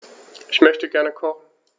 Ich möchte gerne kochen.